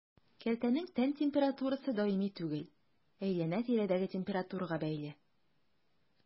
Кәлтәнең тән температурасы даими түгел, әйләнә-тирәдәге температурага бәйле.